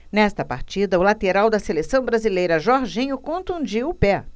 nesta partida o lateral da seleção brasileira jorginho contundiu o pé